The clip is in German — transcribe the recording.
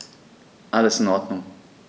Alles in Ordnung.